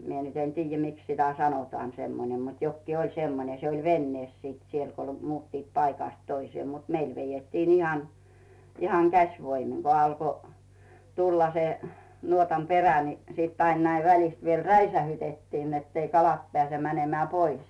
minä nyt en tiedä miksi sitä sanotaan semmoinen mutta jokin oli semmoinen se oli veneessä sitten siellä kun muuttivat paikasta toiseen mutta meillä vedettiin ihan ihan käsivoimin kun alkoi tulla se nuotan perä niin sitten aina näin välistä vielä räiskäytettin että ei kalat pääse menemään pois